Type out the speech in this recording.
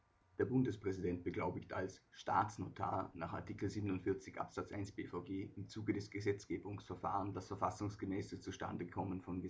Der Bundespräsident beglaubigt als „ Staatsnotar “nach Art. 47 Abs 1 B-VG im Zuge des Gesetzgebungsverfahrens das verfassungsgemäße Zustandekommen von